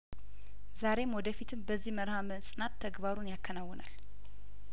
ዛሬም ወደፊትም በዚህ መርህ መጽናት ተግባሩን ያከናውናል